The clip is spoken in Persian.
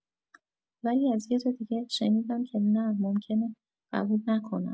ولی از یه جا دیگه شنیدم که نه ممکنه قبول نکنن!